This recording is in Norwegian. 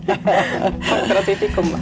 takk for at vi fikk komme.